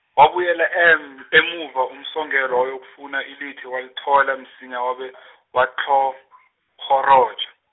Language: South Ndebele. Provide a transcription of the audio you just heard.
wabuyela em- emuva, uMsongelwa wayofuna ilithi walithola msinya wabe, watlhorhoroja.